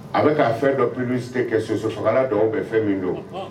A be ka fɛn dɔ publicité kɛ sosofagalan don oubien fɛn min don